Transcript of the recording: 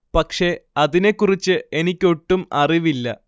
പക്ഷെ അതിനെ കുറിച്ച് എനിക്കൊട്ടും അറിവില്ല